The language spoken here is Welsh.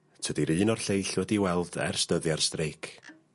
Tydi'r un o'r lleill wedi'i weld ers dyddia'r streic.